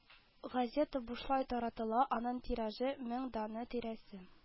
Газета бушлай таратыла, аның тиражы – мең данә тирәсе